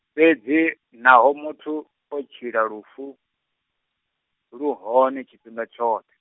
fhedzi, naho muthu, o tshila lufu, lu hone tshifhinga tshoṱhe.